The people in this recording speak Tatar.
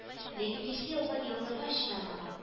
Ләкин көчле яуган яңгырга чыдамаган